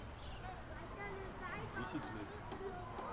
десять лет